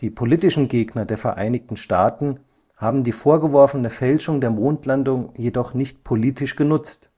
politischen Gegner der Vereinigten Staaten haben die vorgeworfene Fälschung der Mondlandung jedoch nicht politisch genutzt